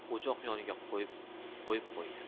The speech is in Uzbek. o'choq yoniga qo'yib qo'ydi